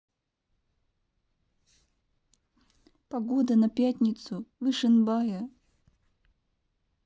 погода на пятницу в ишимбае